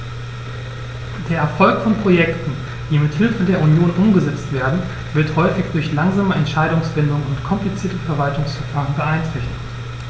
Der Erfolg von Projekten, die mit Hilfe der Union umgesetzt werden, wird häufig durch langsame Entscheidungsfindung und komplizierte Verwaltungsverfahren beeinträchtigt.